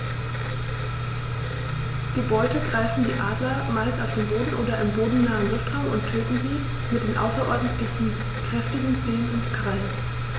Die Beute greifen die Adler meist auf dem Boden oder im bodennahen Luftraum und töten sie mit den außerordentlich kräftigen Zehen und Krallen.